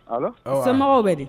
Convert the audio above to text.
Samɔgɔw bɛ di